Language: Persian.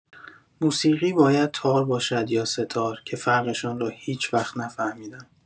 موسیقی باید تار باشد یا سه‌تار، که فرق‌شان را هیج‌وقت نفهمیدم.